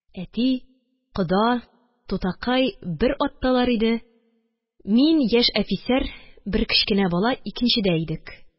Әти, кода, тутакай бер атталар иде, мин, яшь әфисәр, бер кечкенә бала икенчедә идек.